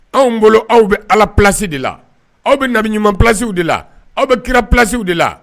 Anwgololɔ aw bɛ ala plasi de la aw bɛ nabi ɲumanuma plasiw de la aw bɛ kira plasiw de la